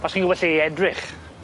Os chi'n gwbo lle i edrych.